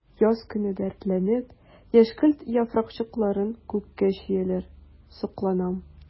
Яз көне дәртләнеп яшькелт яфракчыкларын күккә чөяләр— сокланам.